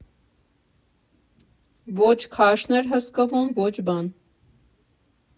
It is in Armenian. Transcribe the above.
Ոչ քաշն էր հսկվում, ոչ բան։